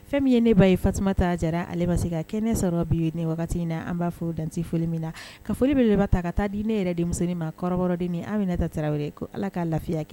Fɛn min ye ne b baa ye fa tasuma taa jara ale ma se ka kɛ ne sɔrɔ bi ye ni wagati in na an b'a foro dante foli min na ka foli bɛeleba ta ka taa di ne yɛrɛ de maa kɔrɔkɔrɔ de min an bɛna ta tarawele ye ko ala k kaa lafiya kɛ